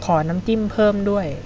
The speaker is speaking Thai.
ขอน้ำจิ้มเพิ่มด้วย